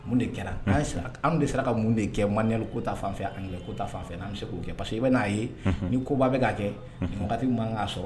Mun de kɛra? anw de sera ka mun de kɛ manuel ko ta fan fɛ anglais ko fan fɛ n' an bɛ se k'o kɛ parce que i bɛ n'a ye, unhun, ni ko ba bɛ ka kɛ